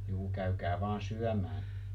juu käykää vain syömään